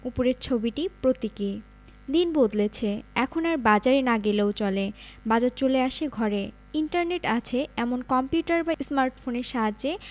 উপরের ছবিটি প্রতীকী দিন বদলেছে এখন আর বাজারে না গেলেও চলে বাজার চলে আসে ঘরে ইন্টারনেট আছে এমন কম্পিউটার বা স্মার্টফোনের সাহায্যে